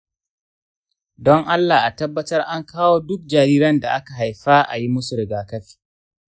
don allah a tabbatar an kawo duk jariran da aka haifa a yi mu su rigakafi.